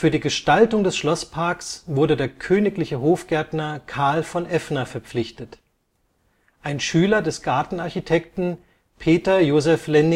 die Gestaltung des Schlossparks wurde der königliche Hofgärtner Carl von Effner verpflichtet, ein Schüler des Gartenarchitekten Peter Joseph Lenné